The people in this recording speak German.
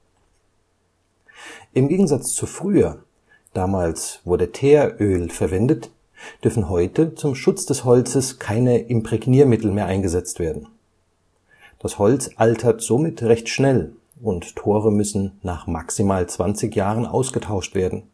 Im Gegensatz zu früher – damals wurde Teeröl verwendet – dürfen heute zum Schutz des Holzes keine Imprägniermittel mehr eingesetzt werden. Das Holz altert somit recht schnell, und Tore müssen nach maximal 20 Jahren ausgetauscht werden